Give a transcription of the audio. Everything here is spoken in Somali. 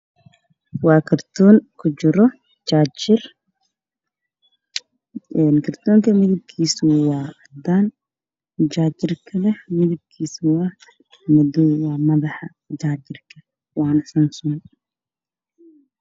Waa kartoon waxaa kujiro jaajar, kartoonka midabkiisu cadaan, jaajarkana waa madow waana samsom.